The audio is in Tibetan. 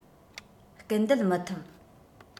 སྐུལ འདེད མི ཐུབ